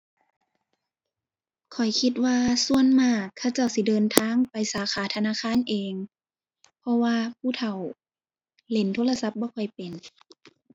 ข้อยคิดว่าส่วนมากเขาเจ้าสิเดินทางไปสาขาธนาคารเอง เพราะว่าผู้เฒ่าเล่นโทรศัพท์บ่ค่อยเป็น